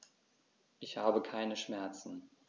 Ich habe keine Schmerzen.